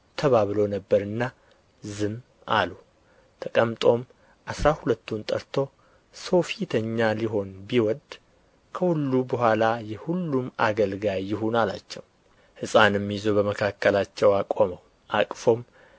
ተባብለው ነበርና ዝም አሉ ተቀምጦም አሥራ ሁለቱን ጠርቶ ሰው ፊተኛ ሊሆን ቢወድ ከሁሉ በኋላ የሁሉም አገልጋይ ይሁን አላቸው ሕፃንም ይዞ በመካከላቸው አቆመው አቅፎም